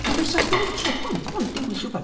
Wel be 'sech chdi'n licio go on, go on dewis wbath.